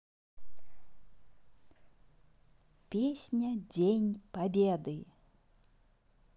песня день победы